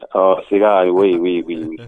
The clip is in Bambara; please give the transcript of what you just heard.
Ɔ siga o ye we ye wuli